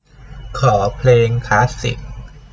ขอเพลงคลาสสิค